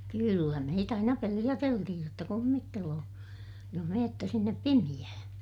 kyllä meitä aina peloteltiin jotta kummittelee jos menette sinne pimeään